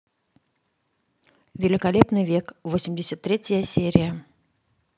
великолепный век восемьдесят третья серия